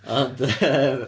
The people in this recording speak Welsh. Ond yym